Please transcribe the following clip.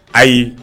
Ayi